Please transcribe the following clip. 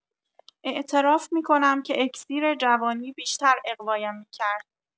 اعتراف می‌کنم که اکسیر جوانی بیشتر اغوایم می‌کرد